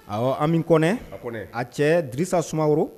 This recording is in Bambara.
Ɔ an bɛ a a cɛ disa sumaworo